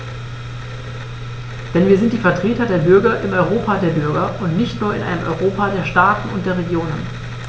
Denn wir sind die Vertreter der Bürger im Europa der Bürger und nicht nur in einem Europa der Staaten und der Regionen.